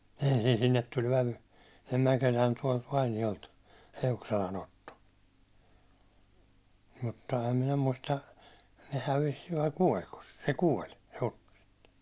ensin sinne tuli vävy sinne Mäkelään tuolta Vainiolta Eukselan Otto mutta en minä muista ne hävisi vai kuolikos se se kuoli hukkasi itsensä